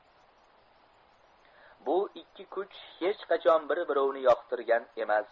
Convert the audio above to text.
bu ikki kuch hech qachon bir birovini yoqtirgan emas